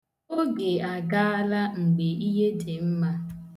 Oge agaala mgbe ihe dị mma.